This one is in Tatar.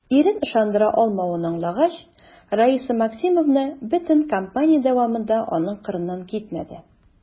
Ирен ышандыра алмавын аңлагач, Раиса Максимовна бөтен кампания дәвамында аның кырыннан китмәде.